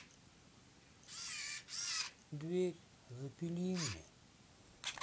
дверь запили мне